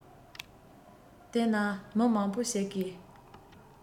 དེ ན མི མང པོ ཞིག གིས